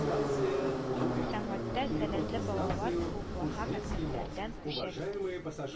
Сәнгатьтә сәләтле балалар клубларга мәктәпләрдән күчә бит